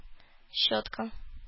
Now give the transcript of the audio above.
Щетка